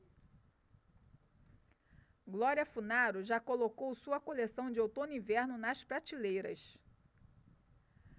glória funaro já colocou sua coleção de outono-inverno nas prateleiras